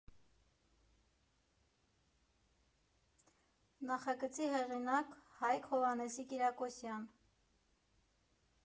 Նախագծի հեղինակ՝ Հայկ Հովհաննեսի Կիրակոսյան.